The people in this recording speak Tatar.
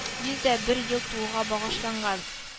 Йоздэ бер ел тулуга багышланган